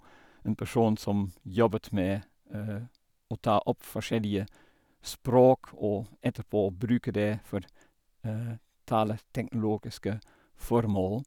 En person som jobbet med å ta opp forskjellige språk og etterpå bruke det for taleteknologiske formål.